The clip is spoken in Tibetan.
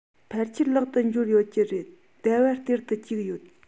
ཕལ ཆེར ལག ཏུ འབྱོར ཡོད ཀྱི རེད ཟླ བར སྟེར དུ བཅུག ཡོད